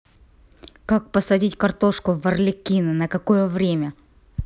как посадить картошку в арлекино на какое время